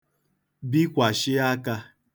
bikwàshị akā